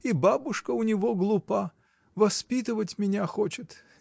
И бабушка у него глупа: воспитывать меня хочет!